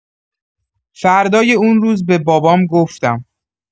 فردای اون روز به بابام گفتم: